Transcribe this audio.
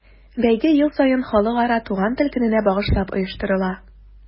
Бәйге ел саен Халыкара туган тел көненә багышлап оештырыла.